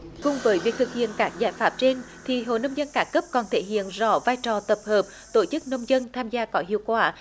cùng với việc thực hiện các giải pháp trên thì hội nông dân các cấp còn thể hiện rõ vai trò tập hợp tổ chức nông dân tham gia có hiệu quả